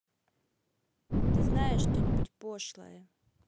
ты знаешь что нибудь пошлое